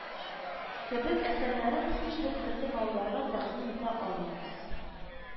Кебек әсәрләрен һичбер төрле балаларга тәкъдим итә алмыйбыз